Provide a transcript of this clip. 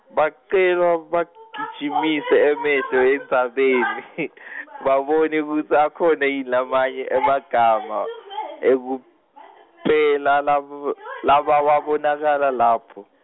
Bacelwa bagijimise emehlo, endzabeni babone kutsi akhona yini lamanye emagama ekupela labw- labawabonakala lapho.